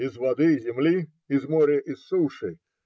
Из воды и земли, из моря и суши.